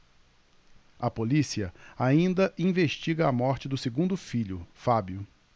a polícia ainda investiga a morte do segundo filho fábio